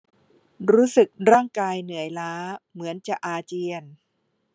รู้สึกร่างกายเหนื่อยล้าเหมือนจะอาเจียน